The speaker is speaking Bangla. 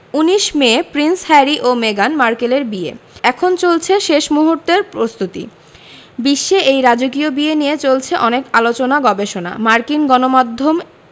১৯ মে প্রিন্স হ্যারি ও মেগান মার্কেলের বিয়ে এখন চলছে শেষ মুহূর্তের প্রস্তুতি বিশ্বে এই রাজকীয় বিয়ে নিয়ে চলছে অনেক আলোচনা গবেষণা মার্কিন গণমাধ্যম